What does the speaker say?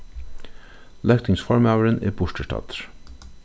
løgtingsformaðurin er burturstaddur